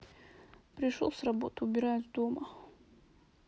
пришел с работы убираюсь дома